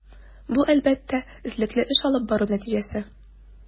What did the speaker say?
Бу, әлбәттә, эзлекле эш алып бару нәтиҗәсе.